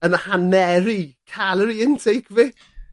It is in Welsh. yn haneri calorie intake fi.